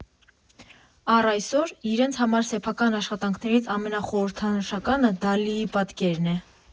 Առ այսօր, իրենց համար սեփական աշխատանքներից ամենախորհրդանշականը Դալիի պատկերն է։